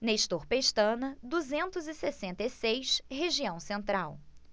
nestor pestana duzentos e sessenta e seis região central